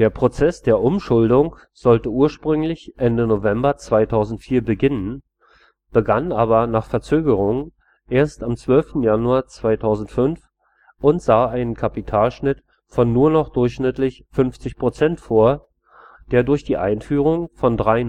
Prozess der Umschuldung sollte ursprünglich Ende November 2004 beginnen, begann aber nach Verzögerungen erst am 12. Januar 2005 und sah einen Kapitalschnitt von nur noch durchschnittlich 50% vor, der durch die Einführung von drei